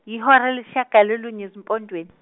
yihora lesishagalolunye ezimpondwen- .